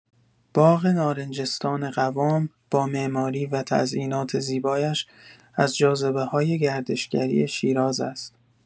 باغ نارنجستان قوام با معماری و تزئینات زیبایش از جاذبه‌های گردشگری شیراز است.